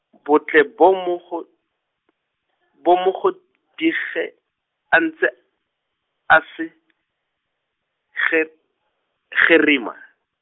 bo tle bo mo go , bo mo go dige, a ntse, a se , ge-, gerima.